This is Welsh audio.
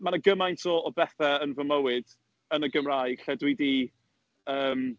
Ma' 'na gymaint o bethe yn fy mywyd yn y Gymraeg lle dwi 'di, yym...